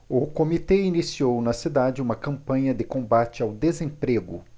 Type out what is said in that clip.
o comitê iniciou na cidade uma campanha de combate ao desemprego